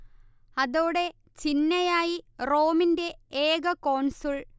അതോടേ ചിന്നയായി റോമിന്റെ ഏക കോൺസുൾ